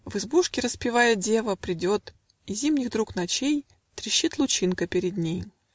В избушке распевая, дева Прядет, и, зимних друг ночей, Трещит лучинка перед ней.